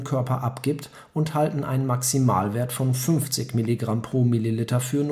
und halten einen Maximalwert von 50 mg/ml für notwendig